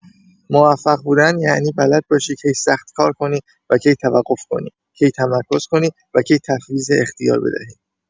موفق بودن یعنی بلد باشی کی سخت کار کنی و کی توقف کنی، کی تمرکز کنی و کی تفویض اختیار بدهی.